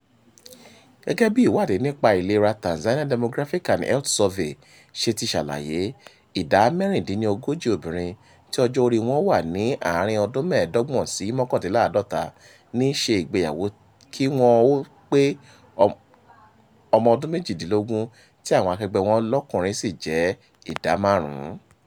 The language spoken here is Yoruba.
Gẹ́gẹ́ bí ìwádìí nípa ìlera Tanzania Demographic and Health Survey (TDHS) ṣe ti ṣàlàyé, ìdá 36 obìnrin tí ọjọ́ oríi wọ́n wà ní 25-49 ní í ṣe ìgbéyàwó kí wọn ó tó pé ọmọ ọdún méjìdínlógún, tí àwọn akẹgbẹ́ẹ wọn lọ́kùnrin sí jẹ́ ìdá 5.